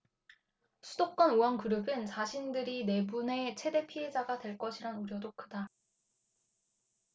수도권 의원 그룹은 자신들이 내분의 최대 피해자가 될 것이란 우려도 크다